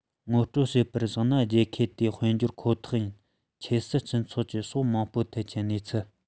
ངོ སྤྲོད བྱས པར གཞིགས ན རྒྱལ ཁབ དེའི དཔལ འབྱོར ཁོ ཐག ཡིན ཆབ སྲིད སྤྱི ཚོགས ཀྱི ཕྱོགས མང པོའི ཐད ཀྱི གནས ཚུལ